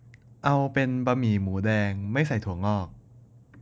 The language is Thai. เอาเป็นบะหมี่หมูแดงไม่ใส่ถั่วงอก